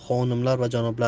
xonimlar va janoblar